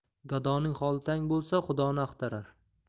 gadoning holi tang bo'lsa xudoni axtarar